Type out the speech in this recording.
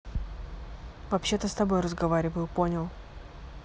вообще то с тобой разговариваю понял